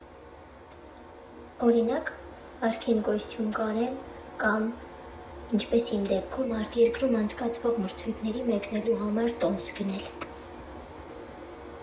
Օրինակ, կարգին կոստյում կարել, կամ, ինչպես իմ դեպքում, արտերկրում անցկացվող մրցույթների մեկնելու համար տոմս գնել։